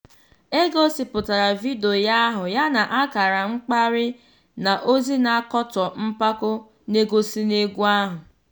E gosipụtara vidiyo ahụ yana ákàrà mkparị na ozi na-akatọ mpako n'egosi n'egwu ahụ.